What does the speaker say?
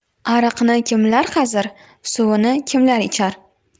ariqni kimlar qazir suvini kimlar ichar